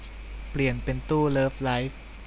เปลี่ยนเป็นตู้เลิฟไลฟ์